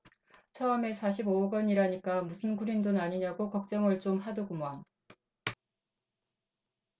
처음엔 사십 오 억원이라니까 무슨 구린 돈 아니냐고 걱정을 좀 하더구먼